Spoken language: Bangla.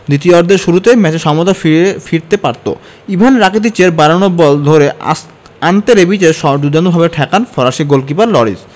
দ্বিতীয়ার্ধের শুরুতেই ম্যাচে সমতা ফিরে ফিরতে পারত ইভান রাকিতিচের বাড়ানো বল ধরে আন্তে রেবিচের শট দুর্দান্তভাবে ঠেকান ফরাসি গোলকিপার লরিস